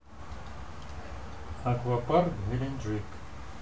аквапарк геленджик